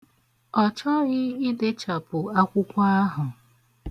Ọ chọghị ịdechapụ akwụkwọ ahụ.